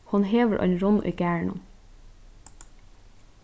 hon hevur ein runn í garðinum